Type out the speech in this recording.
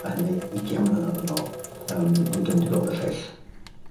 a hynny ugian mlynadd yn ôl yym ond dwi'm 'di gweld y lleill.